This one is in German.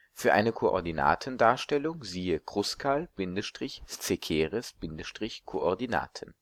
Für eine Koordinatendarstellung siehe Kruskal-Szekeres-Koordinaten